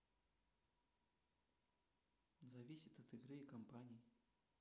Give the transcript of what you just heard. зависит от игры и компании